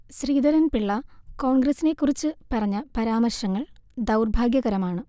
ശ്രീധരൻപിള്ള കോൺഗ്രസിനെ കുറിച്ച് പറഞ്ഞ പരാമർശങ്ങൾ ദൗർഭാഗ്യകരമാണ്